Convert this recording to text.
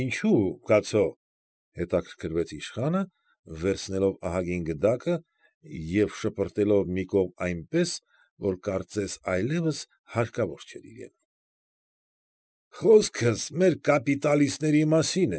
Ինչո՞ւ, կացո՛,֊ հետաքրքրվեց իշխանը, վերցնելով ահագին գդակը, և շպրտելով մի կողմ այնպես, որ կարծես այլևս հարկավոր չէր իրեն։ ֊ Խոսքս մեր կապիտալիստների մասին։